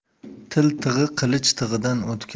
til tig'i qilich tig'idan o'tkir